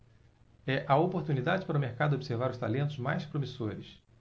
é a oportunidade para o mercado observar os talentos mais promissores